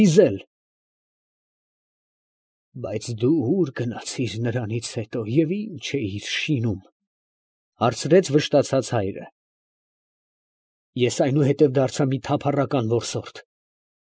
Լիզել… ֊ Բայց դու ո՞ւր գնացիր նրանից հետո և ի՞նչ էիր շինում, ֊ հարցրեց վշտացած հայրը։ ֊ Ես այնուհետև դարձա մի թափառական որսորդ։